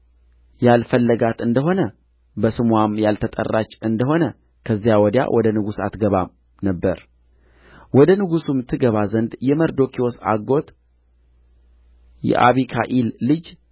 ያልፈለጋት እንደ ሆነ በስምዋም ያልተጠራች እንደሆነ ከዚያ ወዲያ ወደ ንጉሡ አትገባም ነበር ወደ ንጉሡም ትገባ ዘንድ የመርዶክዮስ አጎት የአቢካኢል ልጅ